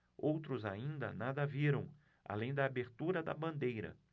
outros ainda nada viram além da abertura da bandeira